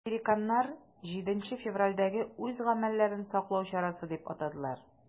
Американнар 7 февральдәге үз гамәлләрен саклану чарасы дип атадылар.